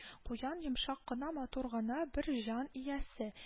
Куян йомшак кына, матур гына бер җан иясе